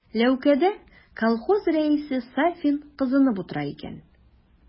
Ләүкәдә колхоз рәисе Сафин кызынып утыра икән.